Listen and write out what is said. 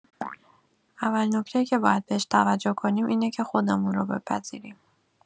اولین نکته‌ای که باید بهش توجه کنیم اینه که خودمون رو بپذیریم.